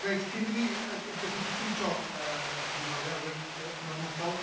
Reit. Cyn i ni. yy d- felly, does dim isio, yy, i mi falu awyr yy yn ormodol.